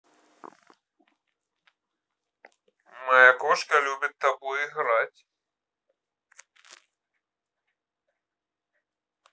моя кошка любит тобой играть